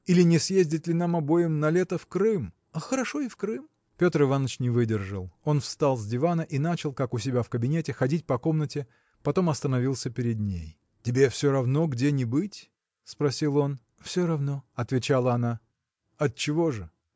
– Или не съездить ли нам обоим на лето в Крым? – Хорошо и в Крым. Петр Иваныч не выдержал он встал с дивана и начал как у себя в кабинете ходить по комнате потом остановился перед ней. – Тебе все равно, где ни быть? – спросил он. – Все равно, – отвечала она. – Отчего же?